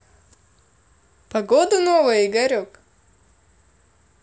погода новая игорек